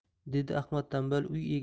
dedi ahmad tanbal uy